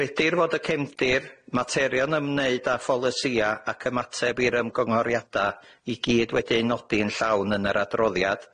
Credir fod y cefndir, materion ymwneud â pholisïa ac ymateb i'r ymgynghoriada i gyd wedi'u nodi yn llawn yn yr adroddiad.